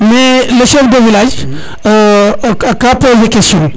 mais le chef de village ka poser question